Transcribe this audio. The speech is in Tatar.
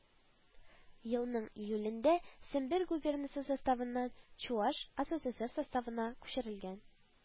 Елның июлендә сембер губернасы составыннан чуаш асср составына күчерелгән